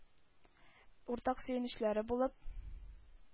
Уртак сөенечләре булып,